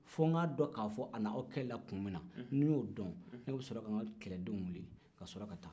fo n k'a don k'a fɔ a n'anw kɛlɛla kun min na ni n y'o don ne bɛ sɔrɔ ka n ka kɛlɛdenw wili ka sɔrɔ ka taa